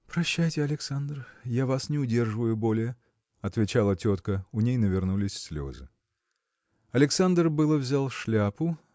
– Прощайте, Александр: я вас не удерживаю более, – отвечала тетка. У ней навернулись слезы. Александр было взял шляпу